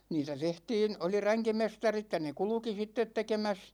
niitä tehtiin oli ränkimestarit ja ne kulki sitten tekemässä